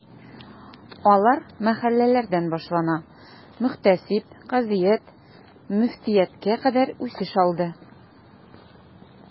Алар мәхәлләләрдән башлана, мөхтәсиб, казыят, мөфтияткә кадәр үсеш алды.